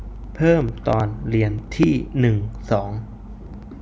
เพิ่มตอนเรียนที่หนึ่งสอง